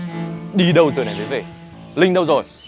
đi đâu giờ này mới về linh đâu rồi